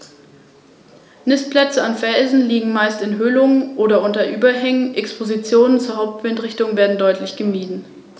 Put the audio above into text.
Häufig jagen sie auch von einem Ansitz aus.